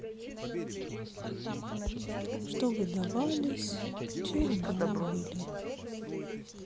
что выдавались в чернобыле